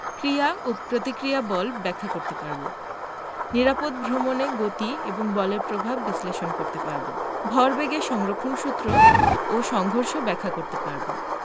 ক্রিয়া ও প্রতিক্রিয়া বল ব্যাখ্যা করতে পারব নিরাপদ ভ্রমণে গতি এবং বলের প্রভাব বিশ্লেষণ করতে পারব ভরবেগের সংরক্ষণ সূত্র ও সংঘর্ষ ব্যাখ্যা করতে পারব